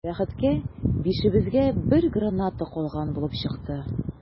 Бәхеткә, бишебезгә бер граната калган булып чыкты.